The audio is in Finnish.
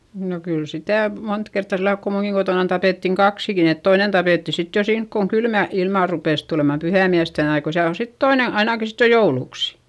no kyllä sitä monta kertaa sillä lailla kun minunkin kotonani tapettiin kaksikin että toinen tapettiin sitten jo siinä kun kylmä ilma rupesi tulemaan pyhäinmiesten - kun siellä on sitten toinen ainakin sitten jo jouluksi